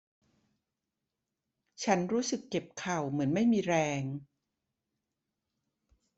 ฉันรู้สึกเจ็บเข่าเหมือนไม่มีแรง